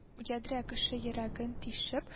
Ядрә кеше йөрәген тишеп